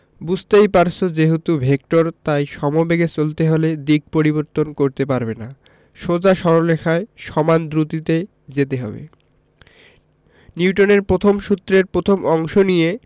বুঝতেই পারছ যেহেতু ভেক্টর তাই সমবেগে চলতে হলে দিক পরিবর্তন করতে পারবে না সোজা সরল রেখায় সমান দ্রুতিতে যেতে হবে নিউটনের প্রথম সূত্রের প্রথম অংশ নিয়ে